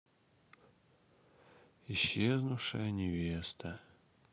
исчезнувшая невеста